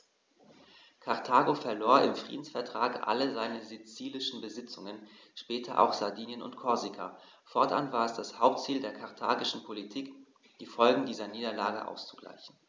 Karthago verlor im Friedensvertrag alle seine sizilischen Besitzungen (später auch Sardinien und Korsika); fortan war es das Hauptziel der karthagischen Politik, die Folgen dieser Niederlage auszugleichen.